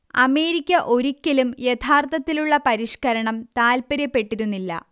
America ഒരിക്കലും യഥാർത്ഥത്തിലുള്ള പരിഷ്കരണം താല്പര്യപ്പെട്ടിരുന്നില്ല